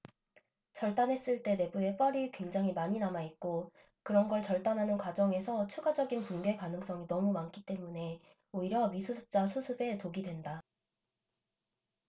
절단했을 때 내부에 뻘이 굉장히 많이 남아있고 그런 걸 절단하는 과정에서 추가적인 붕괴 가능성이 너무 많기 때문에 오히려 미수습자 수습에 독이 된다